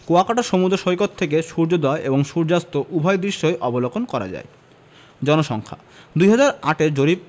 কুয়াকাটা সমুদ্র সৈকত থেকে সূর্যোদয় ও সূর্যাস্ত উভয় দৃশ্যই অবলোকন করা যায় জনসংখ্যাঃ ২০০৮ এর জরিপ